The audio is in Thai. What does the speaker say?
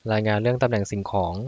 รายงานเรื่องตำแหน่งสิ่งของ